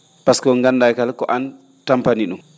pasque ko ganndaa kala ko an tampani ?um